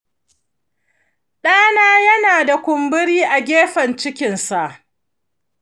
ɗana yana da kumburi a gefen cikinsa.